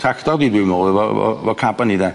Tractor fi dwi'n me'wl efo efo efo efo caban yn i de.